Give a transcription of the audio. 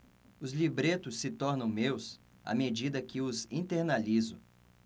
os libretos se tornam meus à medida que os internalizo